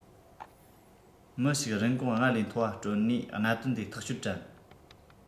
མི ཞིག རིན གོང སྔར ལས མཐོ བ སྤྲོད ནས གནད དོན དེ ཐག གཅོད དྲན